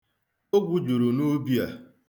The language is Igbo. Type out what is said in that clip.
Ogwu juru n'ubi a.